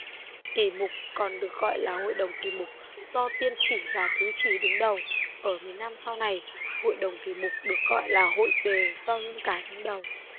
kỳ mục còn được gọi là hội đồng kỳ mục do tiên chỉ và thứ chỉ đứng đầu ở miền nam sau này hội đồng kỳ mục được gọi là hội tề do hương cả đứng đầu